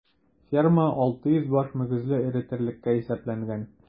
Ферма 600 баш мөгезле эре терлеккә исәпләнгән.